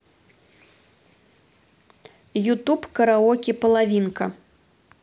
ютуб караоке половинка